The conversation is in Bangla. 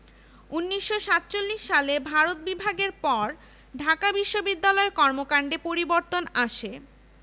রসায়ন এবং অর্থনীতি অনুষদের ওপর এ ব্যয় সংকোচনের প্রতিকূল প্রভাব পড়বে মি. হার্টগ জানান যে